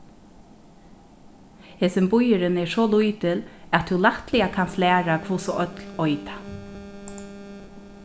hesin býurin er so lítil at tú lættliga kanst læra hvussu øll eita